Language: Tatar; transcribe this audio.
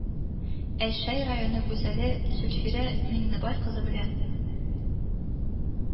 Әлшәй районы гүзәле Зөлфирә Миңнебай кызы белән